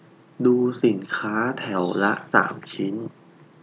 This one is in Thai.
ดูสินค้าแถวละสามชิ้น